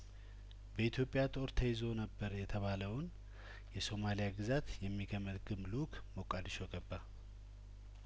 በኢትዮጵያ ጦር ተይዞ ነበር የተባለውን የሶማሊያ ግዛት የሚገመግም ልኡክ ሞቃዲሾ ገባ